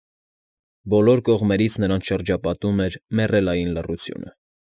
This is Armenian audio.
Բոլոր կողմերից նրանց շրջապատում էր մեռելային լռությունը։